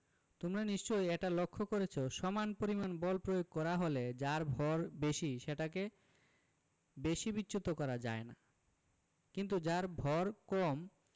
তোমরা নিশ্চয়ই এটা লক্ষ করেছ সমান পরিমাণ বল প্রয়োগ করা হলে যার ভর বেশি সেটাকে বেশি বিচ্যুত করা যায় না কিন্তু যার ভয় কম